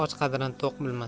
och qadrini to'q bilmas